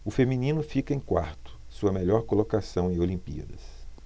o feminino fica em quarto sua melhor colocação em olimpíadas